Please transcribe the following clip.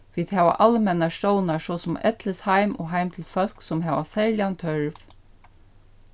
vit hava almennar stovnar so sum ellisheim og heim til fólk sum hava serligan tørv